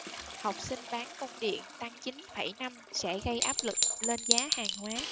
học sinh bán công điện tăng chín phẩy năm sẽ gây áp lực lên giá hàng hóa